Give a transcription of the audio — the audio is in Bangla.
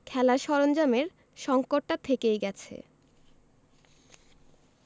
খেলার সরঞ্জামের সংকটটা থেকেই গেছে